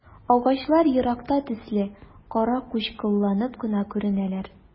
Агачлар еракта төсле каракучкылланып кына күренәләр.